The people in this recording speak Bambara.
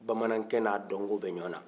bamanan kɛ n'a dɔnko bɛ ɲwanna